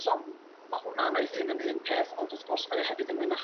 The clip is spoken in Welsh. So ma' hwnna'n o'i hun yn un peth ond wrth gwrs mae o hefyd ynglyn â